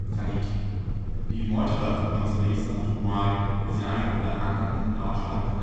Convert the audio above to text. Die Meuterer fuhren zunächst nach Tubuai, wo sie eine Woche lang ankerten, beratschlagten